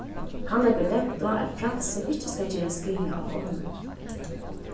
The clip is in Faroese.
hann leggur dent á at frælsið ikki skal gera skaða á onnur